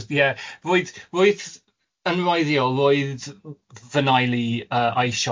Ie, roedd, roedd yn wreiddiol roedd fy nheulu i yy eisiau